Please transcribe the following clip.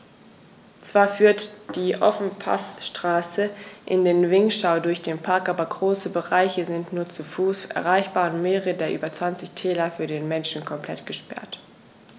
Zwar führt die Ofenpassstraße in den Vinschgau durch den Park, aber große Bereiche sind nur zu Fuß erreichbar und mehrere der über 20 Täler für den Menschen komplett gesperrt.